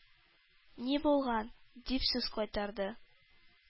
-ни булган?-дип сүз кайтарды.